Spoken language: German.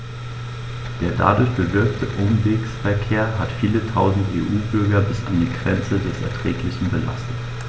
Der dadurch bewirkte Umwegsverkehr hat viele Tausend EU-Bürger bis an die Grenze des Erträglichen belastet.